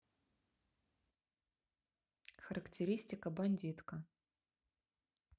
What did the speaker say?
характеристика бандитка